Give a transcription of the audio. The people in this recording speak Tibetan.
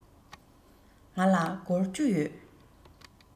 ང ལ སྒོར བཅུ ཡོད